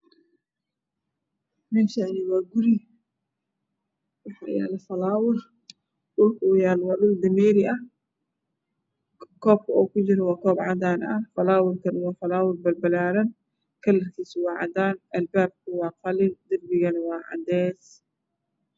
Meshani waa guri waxa yala falaawar dhulka u yaalo wa dhul dameeri ah koopka uu ku jiro wa koop cadana ah falaa warkana wa falawar pal palaran kalarkiisu waa cadaan alpaapka wa qalin dariga wa cadees